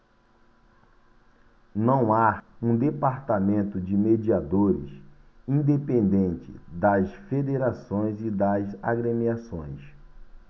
não há um departamento de mediadores independente das federações e das agremiações